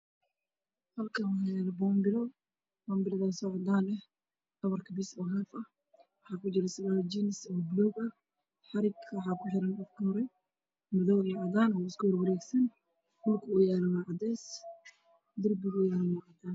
Meeshaan waxaa yaalo boonbalo cadaan oo haaf ah waxaa kujiro surwaal jeemis ah oo madow ah waxaa kuxiran xarig afka hore madow iyo cadaan ah dhulka uu yaalana waa cadeys. Darbiga waa cadaan.